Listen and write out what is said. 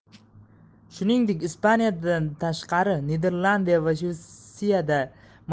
shuningdek ispaniyadan tashqari niderlandiya va shvetsiyada